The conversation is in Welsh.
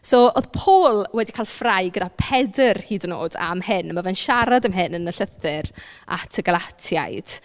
So oedd Paul wedi cael ffrae gyda Pedr hyd yn oed am hyn, ma' fe'n siarad am hyn yn y llythyr at y Galatiaid.